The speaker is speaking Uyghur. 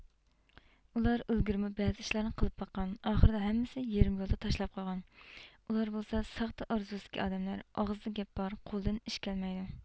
ئۇلار ئىلگىرىمۇ بەزى ئىشلارنى قىلىپ باققان ئاخىرىدا ھەممىسى يېرىم يولدا تاشلاپ قويغان ئۇلار بولسا ساختا ئارزۇسىدىكى ئادەملەر ئاغزىدا گەپ بار قولىدىن ئىش كەلمەيدۇ